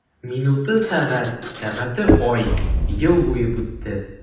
Минуты— сәгать, сәгате— ай, ел булып үтте.